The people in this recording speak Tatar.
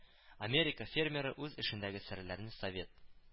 Америка фермеры үз эшендәге серләрне Совет